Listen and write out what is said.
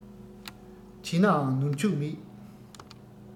བྲིས ནའང ནོར འཕྱུགས མེད